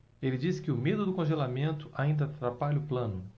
ele disse que o medo do congelamento ainda atrapalha o plano